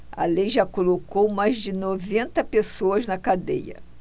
a lei já colocou mais de noventa pessoas na cadeia